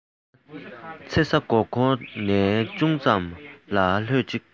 ཨ མ མཚེར ས སྒོར སྒོར ནས ཅུང ཙམ ལ ཧོད ཅིག